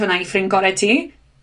hwnna i ffrind gore ti.